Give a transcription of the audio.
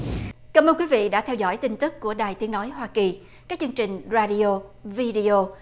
cám ơn quý vị đã theo dõi tin tức của đài tiếng nói hoa kỳ các chương trình ra đi ô vi đê ô